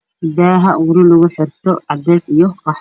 Daaha guryo lagu xirto cadays iyo qaxwi.